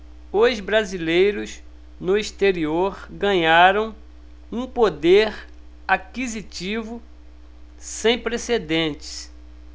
os brasileiros no exterior ganharam um poder aquisitivo sem precedentes